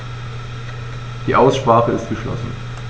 Die Aussprache ist geschlossen.